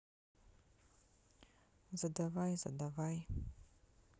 задавай задавай